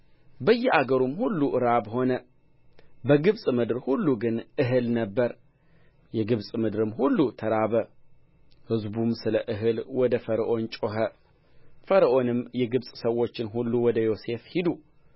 በየአገሩም ሁሉ ራብ ሆነ በግብፅ ምድር ሁሉ ግን እህል ነበረ የግብፅ ምድርም ሁሉ ተራበ ሕዝቡም ስለ እህል ወደ ፈርዖን ጮኸ ፈርዖንም የግብፅ ሰዎችን ሁሉ ወደ ዮሴፍ ሂዱ